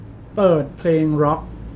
เปิดเพลงร็อค